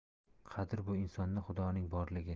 qadr bu insonda xudoning borligi